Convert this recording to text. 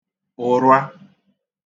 ụrwa